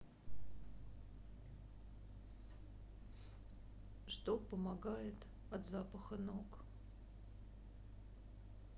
что помогает от запаха ног